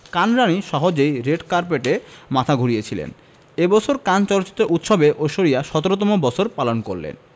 কান রাণী সহজেই রেড কার্পেটে মাথা ঘুরিয়েছিলেন এ বছর কান চলচ্চিত্র উৎসবে ঐশ্বরিয়া ১৭তম বছর পালন করলেন